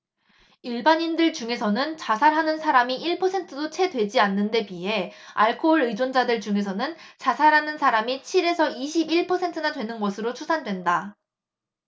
일반인들 중에서는 자살하는 사람이 일 퍼센트도 채 되지 않는 데 비해 알코올 의존자들 중에서는 자살하는 사람이 칠 에서 이십 일 퍼센트나 되는 것으로 추산된다